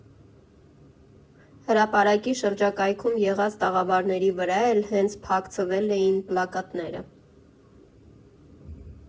Հրապարակի շրջակայքում եղած տաղավարների վրա էլ հենց փակցվել էին պլակատները։